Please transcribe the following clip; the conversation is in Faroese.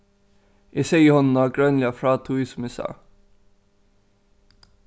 eg segði honum nágreiniliga frá tí sum eg sá